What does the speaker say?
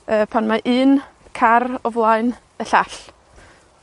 yy pan mae un car o flaen y llall.